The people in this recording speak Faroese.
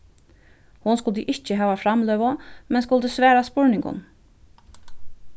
hon skuldi ikki hava framløgu men skuldi svara spurningum